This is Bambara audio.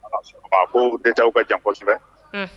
a Kow details ka jan kosɛbɛ, unhun